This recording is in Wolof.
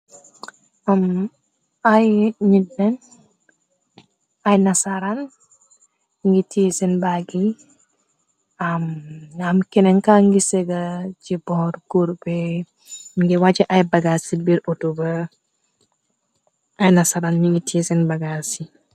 Am ay ñunen ay na saran, ngi tie seen baggi, am nam kenenka ngi séga ci boor cur be, ngi wacce ay bagal si biir otobar, ay na saran mi ngi tie seen bagaal yi.